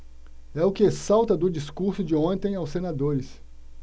é o que salta do discurso de ontem aos senadores